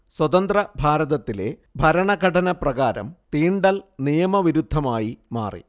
സ്വതന്ത്ര ഭാരതത്തിലെ ഭരണഘടന പ്രകാരം തീണ്ടൽ നിയമവിരുദ്ധമായി മാറി